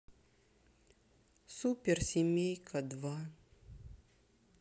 суперсемейка два